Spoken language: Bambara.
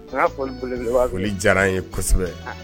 Tuɲa foli belebeleba foli diyar'an ye kosɛbɛ